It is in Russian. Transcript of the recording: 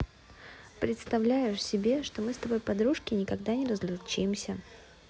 представляю себе что мы с тобой подружки никогда не разлучимся